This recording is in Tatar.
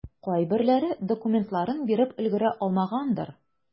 Кайберләре документларын биреп өлгерә алмагандыр.